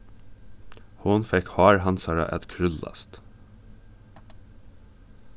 hon fekk hár hansara at krúllast